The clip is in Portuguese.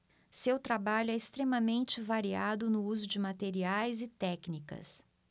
seu trabalho é extremamente variado no uso de materiais e técnicas